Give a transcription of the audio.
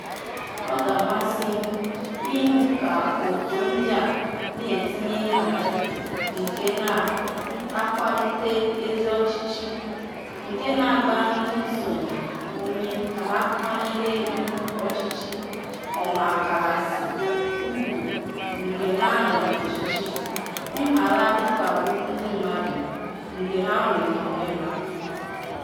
Ọ ga-amasị m ịhụ ka òtù ndị a na-etinye nhazi nke na-akwalite ezi ọchịchị, nke na-agba ndị nsonye ume ka ha kwanyere iwu ọchịchị ọhakarasị ùgwù mgbe ha nọ n'ọchịchị ma ghara ịkpagbu ndị mmadụ mgbe ha nweere onwe ha.